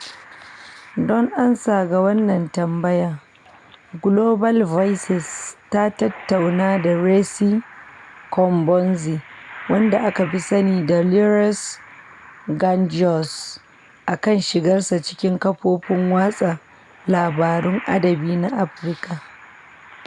Don amsa ga wannan tambaya, Global Voices ta tattauna da Réassi Ouabonzi, wanda aka fi sani da Lareus Gangoueus, akan shigarsa cikin kafofin watsa labarun adabi na Afirka.